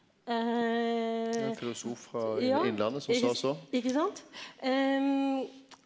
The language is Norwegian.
ikke sant ?